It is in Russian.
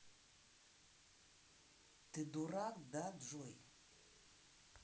ты дурак да джой